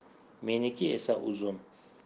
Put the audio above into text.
meniki esa uzun